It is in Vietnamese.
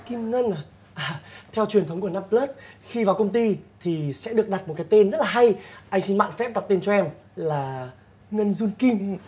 kim ngân à á hà theo truyền thống của năm pờ lớt khi vào công ty thì sẽ được đặt một cái tên rất là hay anh xin mạn phép đặt tên cho em là ngân giun kim